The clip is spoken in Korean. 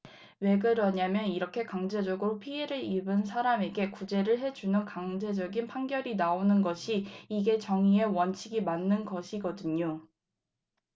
왜 그러냐면 이렇게 강제적으로 피해를 입은 사람에게 구제를 해 주는 강제적인 판결이 나오는 것이 이게 정의의 원칙에 맞는 것이거든요